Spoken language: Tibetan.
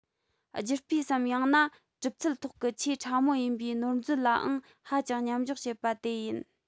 རྒྱུ སྤུས སམ ཡང ན གྲུབ ཚུལ ཐོག གི ཆེས ཕྲ མོ ཡིན པའི ནོར འཛོལ ལའང ཧ ཅང མཉམ འཇོག བྱེད པ དེ ཡིན